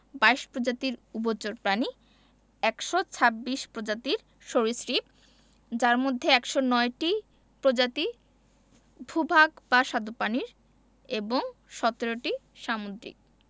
২২ প্রজাতির উভচর প্রাণী ১২৬ প্রজাতির সরীসৃপ যার মধ্যে ১০৯টি প্রজাতি ভূ ভাগ বা স্বাদুপানির এবং ১৭টি সামুদ্রিক